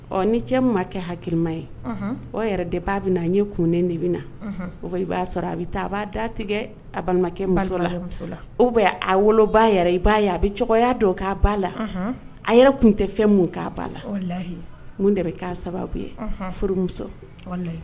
Ɔ ni cɛ ma kɛ hakilima ye o yɛrɛ de b'a bɛ a ye kunden de bɛ na i b'a sɔrɔ a bɛ taa a b'a da tigɛ a balimakɛ o bɛ a woloba yɛrɛ i b'a a bɛ cogoya dɔn k'a ba la a yɛrɛ tun tɛ fɛn min k'a ba la mun de bɛ' sababu ye furumuso